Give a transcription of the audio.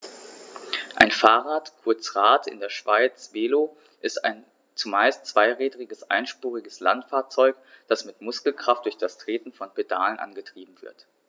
Ein Fahrrad, kurz Rad, in der Schweiz Velo, ist ein zumeist zweirädriges einspuriges Landfahrzeug, das mit Muskelkraft durch das Treten von Pedalen angetrieben wird.